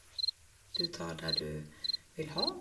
Du tar det du vil ha.